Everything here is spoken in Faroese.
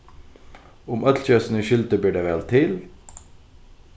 um øll gera sína skyldu ber tað væl til